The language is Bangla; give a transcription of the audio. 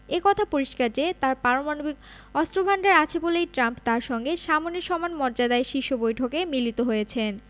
এ কথা পরিষ্কার যে তাঁর পারমাণবিক অস্ত্রভান্ডার আছে বলেই ট্রাম্প তাঁর সঙ্গে সামনে সমান মর্যাদায় শীর্ষ বৈঠকে মিলিত হয়েছেন